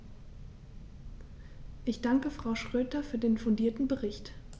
Ich danke Frau Schroedter für den fundierten Bericht.